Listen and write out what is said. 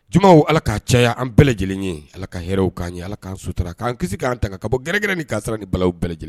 Jama ala k' caya an bɛɛ lajɛlen ye ala ka hɛrɛw k'an ɲɛ ala ka an sutura k' anan kisi k'an tan kan ka bɔ gɛrɛkɛrɛn ni kasɔrɔ ni bɛɛ lajɛlen